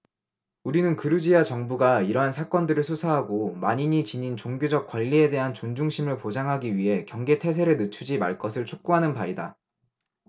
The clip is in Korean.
우리는 그루지야 정부가 이러한 사건들을 수사하고 만인이 지닌 종교적 권리에 대한 존중심을 보장하기 위해 경계 태세를 늦추지 말 것을 촉구하는 바이다